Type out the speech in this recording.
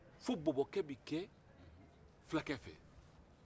fo bɔbɔkɛ bɛ kɛ fulakɛ fɛ